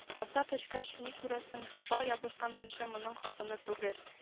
Тарта төшкәч, ни күрәсең, бауга ябышкан кеше моның хатыны түгел